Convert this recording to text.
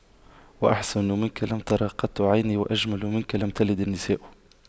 وأحسن منك لم تر قط عيني وأجمل منك لم تلد النساء